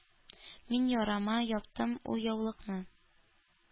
Мин ярама яптым ул яулыкны